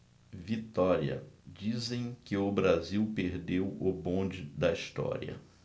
vitória dizem que o brasil perdeu o bonde da história